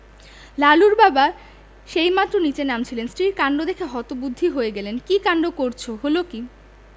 লালুর বাবা সেইমাত্র নীচে নামছিলেন স্ত্রীর কাণ্ড দেখে হতবুদ্ধি হয়ে গেলেন কি কাণ্ড করচ হলো কি